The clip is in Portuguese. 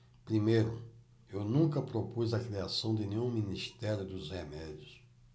primeiro eu nunca propus a criação de nenhum ministério dos remédios